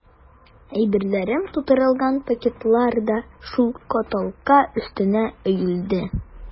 Әйберләрем тутырылган пакетлар да шул каталка өстенә өелде.